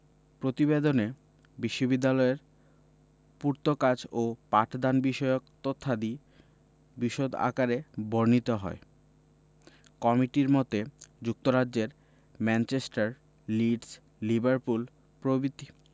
প্রতিবেদনে বিশ্ববিদ্যালয়ের পূর্তকাজ ও পাঠদানবিষয়ক তথ্যাদি বিশদ আকারে বর্ণিত হয় কমিটির মতে যুক্তরাজ্যের ম্যানচেস্টার লিডস লিভারপুল প্রভৃতি